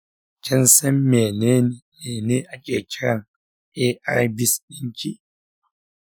kinsan mene ake kiran arvs dinki?